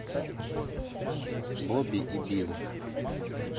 бобби и билл